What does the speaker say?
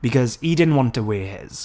because he didn't want to wear his.